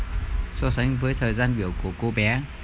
so sánh với thời gian biểu của cô bé